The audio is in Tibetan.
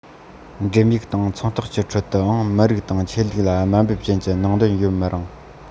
འགྲེམ ཡིག དང ཚོང རྟགས ཀྱི ཁྲོད དུའང མི རིགས དང ཆོས ལུགས ལ དམའ འབེབས ཅན གྱི ནང དོན ཡོད མི རུང